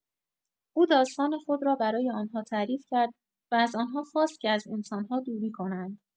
او داستان خود را برای آنها تعریف کرد و از آنها خواست که از انسان‌ها دوری کنند.